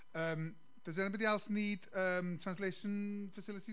Yym. Does anybody else need, um, translation facilities?